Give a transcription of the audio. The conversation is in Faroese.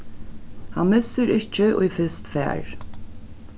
hann missir ikki ið fyrst fær